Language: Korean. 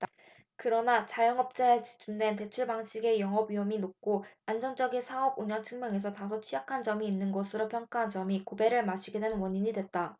그러나 자영업자에 집중된 대출방식의 영업위험이 높고 안정적인 사업운영 측면에서 다소 취약한 점이 있는 것으로 평가한 점이 고배를 마시게 된 원인이 됐다